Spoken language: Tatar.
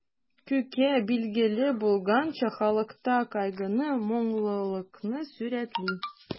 Күке, билгеле булганча, халыкта кайгыны, моңлылыкны сурәтли.